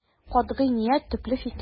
Катгый ният, төпле фикер.